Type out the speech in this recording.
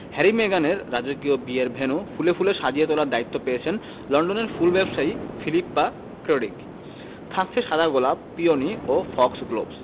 Harry মেগানের রাজকীয় বিয়ের ভেন্যু ফুলে ফুলে সাজিয়ে তোলার দায়িত্ব পেয়েছেন লন্ডনের ফুল ব্যবসায়ী ফিলিপ্পা ক্র্যাডোক থাকছে সাদা গোলাপ পিওনি ও ফক্সগ্লোভস